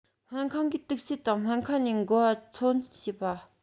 སྨན ཁང གིས དུག སེལ དང སྨན ཁང ནས འགོ བ ཚོད འཛིན བྱེད པ